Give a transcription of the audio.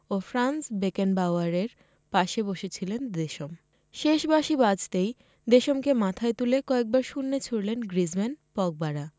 ও Franz বেকেনবাওয়ারের পাশে বসে গেলেন দেশম শেষ বাঁশি বাজতেই দেশমকে মাথায় তুলে কয়েকবার শূন্যে ছুড়লেন গ্রিজমান পগবারা